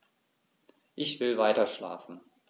Ich will weiterschlafen.